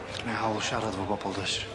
Gennai hawl siarad efo bobol does?